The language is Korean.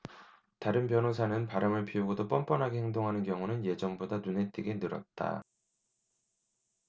다른 변호사는 바람을 피우고도 뻔뻔하게 행동하는 경우는 예전보다 눈에 띄게 늘었다